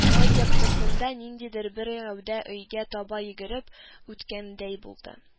Ай яктысында ниндидер бер гәүдә өйгә таба йөгереп үткәндәй булды